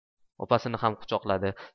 opasini ham quchoqladi